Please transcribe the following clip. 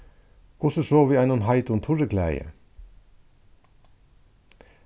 hvussu so við einum heitum turriklæði